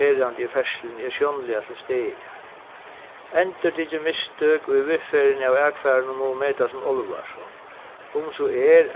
ferðandi í ferðsluni er sjónliga til staðar endurtikin mistøk í viðferðini av akfarinum mugu metast sum álvarsom um so er